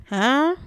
A